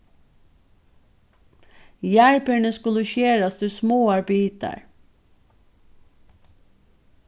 jarðberini skulu skerast í smáar bitar